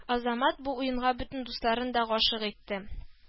Азамат бу уенга бөтен дусларын да гашыйк итте